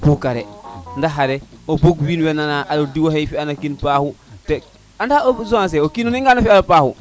pukare nda xare o bug wiin we nana diwo xay fiya na kene kin paxu te anda Zancier o kin o fiya ngan paaxu